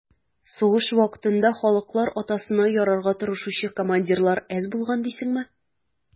Сугыш вакытында «халыклар атасына» ярарга тырышучы командирлар әз булган дисеңме?